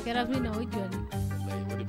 Kɛrafin na o cɛ